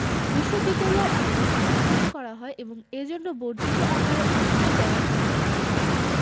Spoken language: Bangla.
বিশ্ববিদ্যালয়ের আওতা সম্প্রসারণ করা হয় এবং এজন্য বর্ধিত আকারে অর্থও বরাদ্দ করা হয়